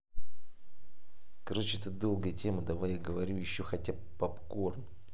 короче это долгая тема давай я говорю еще хотя попкорн